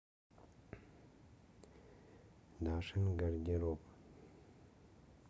дашин гардероб